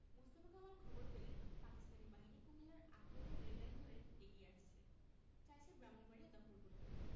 মোস্তফা কামাল খবর পেলেন পাকিস্তানি বাহিনী কুমিল্লার আখাউড়া রেললাইন ধরে এগিয়ে আসছে চাইছে ব্রাহ্মনবাড়িয়া দখল করতে